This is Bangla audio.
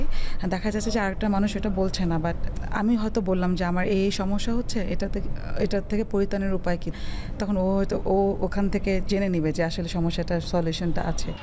দেখা যাচ্ছে যার একটি মানুষ আরেকটা মানুষ এটা বলছি না বাট আমি হয়তো বললাম যে আমার এই সমস্যা হচ্ছে এটা থেকে পরিত্রাণের উপায় কি তখন ও হয়তো ওখান থেকে জেনে নেবে যে আসলে সমস্যাটার সলিউশন টা আছে